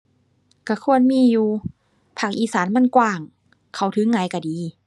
ก็ควรมีอยู่ ภาคอีสานมันกว้าง เข้าถึงง่ายก็ดี